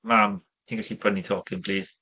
Mam, ti'n gallu prynu tocyn, plîs?